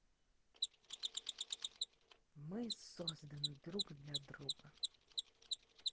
мы созданы друг для друга